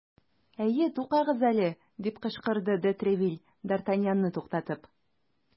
Әйе, тукагыз әле! - дип кычкырды де Тревиль, д ’ Артаньянны туктатып.